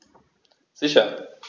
Sicher.